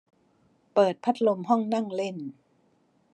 เปิดพัดลมห้องนั่งเล่น